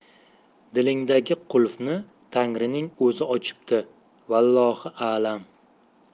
dilingdagi qulfni tangrining o'zi ochibdi vallohi a'lam